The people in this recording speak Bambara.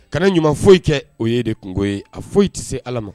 Kana ɲuman foyi kɛ, o ye de kunko ye, a foyi tɛ se Ala ma.